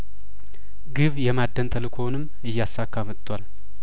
ግብ የማደን ተልእኮውንም እያሳ ካ መቷል